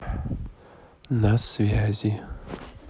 на связи